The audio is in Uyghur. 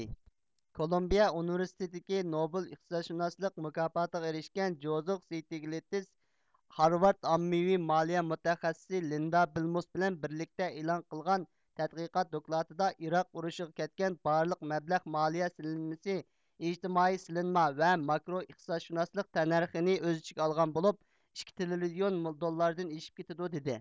كولومبىيە ئۇنىۋېرسىتېتىدىكى نوبېل ئىقتىسادشۇناسلىق مۇكاپاتىغا ئېرىشكەن جوزىغ ستيېگلتىس خارۋارد ئاممىۋى مالىيە مۇتەخەسسىسى لىندا بىلمۇس بىلەن بىرلىكتە ئېلان قىلغان تەتقىقات دوكلاتىدا ئىراق ئۇرۇشىغا كەتكەن بارلىق مەبلەغ مالىيە سېلىنمىسى ئىجتىمائىي سېلىنما ۋە ماكرو ئىقتىسادشۇناسلىق تەننەرخىنى ئۆز ئىچىگە ئالغان بولۇپ ئىككى تىرىليون دوللاردىن ئېشىپ كېتىدۇ دىدى